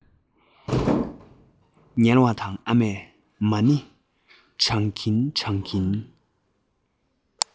ཉལ བ དང ཨ མས མ ཎི བགྲང གིན བགྲང གིན